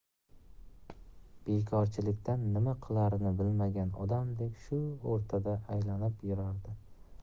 bekorchilikdan nima qilarini bilmagan odamdek shu o'rtada aylanib yurardi